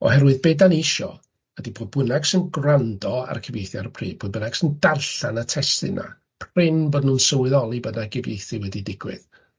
Oherwydd be dan ni isio, ydy bod pwy bynnag sy'n gwrando ar y cyfieithu ar y pryd, pwy bynnag sy'n darllen y testun 'na, a prin bod nhw'n sylweddoli bod 'na gyfieithu wedi digwydd.